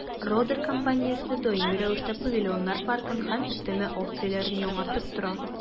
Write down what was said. «родер» компаниясе даими рәвештә павильоннар паркын һәм өстәмә опцияләрен яңартып тора.